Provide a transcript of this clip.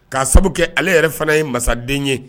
K'a sabu kɛ ale yɛrɛ fana ye masaden ye